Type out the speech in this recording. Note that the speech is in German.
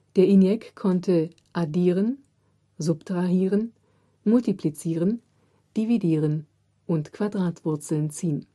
Der ENIAC konnte addieren, subtrahieren, multiplizieren, dividieren und Quadratwurzeln ziehen